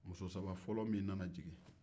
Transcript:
muso saba fɔlɔ min nana jigi